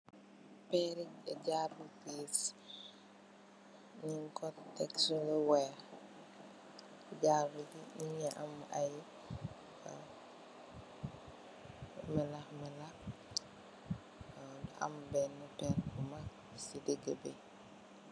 Pèru jaaro wiiss nung ko tekk ci lu weeh. Jaaro bi mungi am ay mèlah-mèlah, am benen pèrr bu mag bu nekka ci digi bi.